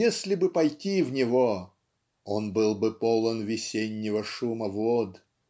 если бы пойти в него, "он был бы полон весеннего шума вод